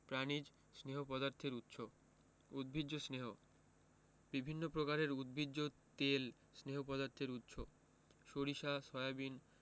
প্রাণিজ স্নেহ পদার্থের উৎস ২. উদ্ভিজ্জ স্নেহ বিভিন্ন প্রকারের উদ্ভিজ তেল স্নেহ পদার্থের উৎস সরিষা সয়াবিন